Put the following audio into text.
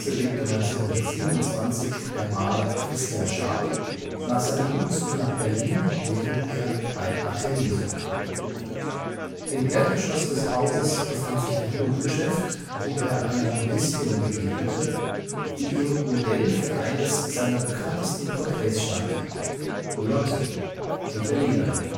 lebte 1927 der Maler Christian Schad nach seinem Umzug nach Berlin, während er ein Atelier suchte. Im Erdgeschoss des Hauses befand sich ein Hutgeschäft, wo er einer Modistin begegnete, die ihm Modell für eines seiner bekanntesten Porträts stand: Lotte – Die Berlinerin